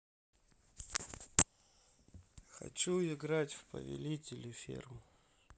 хочу играть в повелители ферм